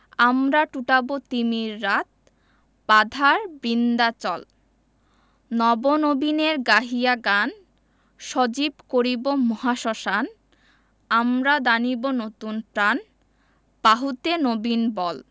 আমরা টুটাব তিমির রাত বাধার বিন্ধ্যাচল নব নবীনের গাহিয়া গান সজীব করিব মহাশ্মশান আমরা দানিব নতুন প্রাণ বাহুতে নবীন বল